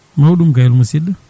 mawɗum kay hol musidɗo